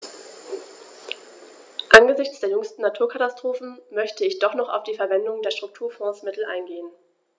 Angesichts der jüngsten Naturkatastrophen möchte ich doch noch auf die Verwendung der Strukturfondsmittel eingehen.